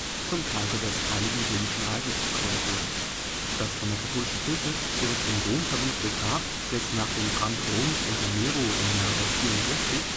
Roms unter Nero im Jahre 64